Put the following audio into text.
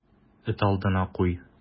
Эт алдына куй.